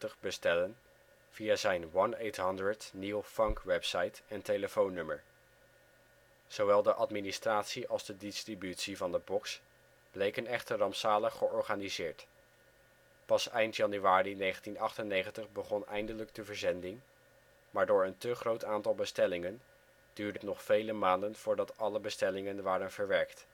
bestellen via zijn 1-800-NEW-FUNK-website en telefoonnummer. Zowel de administratie als de distributie van de box bleken echter rampzalig georganiseerd. Pas eind januari 1998 begon eindelijk de verzending, maar door een te groot aantal bestellingen duurde het nog vele maanden voordat alle bestellingen waren verwerkt